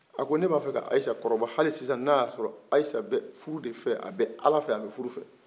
a ko ne b'a fɛ ka ayise kɔrɔbɔ hali sisan n'a y'a sɔrɔ bɛ furu de fɛ a bɛ ala fɛ a bɛ furu fɛ